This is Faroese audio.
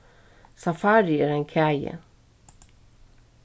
safari er ein kagi